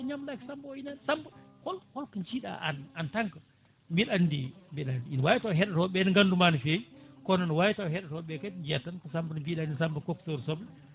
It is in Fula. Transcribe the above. o ñamlaki Samba o innani Samba hol holto jiiɗa an en tant que mbiɗa andi mbiɗa andi ene wawi taw heɗotoɓe ne ganduma no fewi kono no wawi taw heɗotoɓe kadi jiiyata tan ko Samba no mbiɗa ni Samba coxeur soble